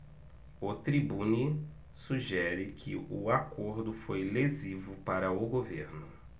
o tribune sugere que o acordo foi lesivo para o governo